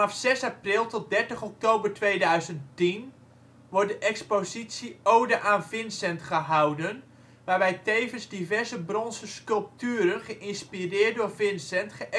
april tot 30 oktober 2010 wordt de expositie " Ode aan Vincent " gehouden waarbij tevens diverse bronzen sculpturen geïnspireerd door Vincent